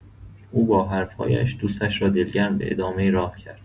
او با حرف‌هایش دوستش را دلگرم به ادامۀ راه کرد.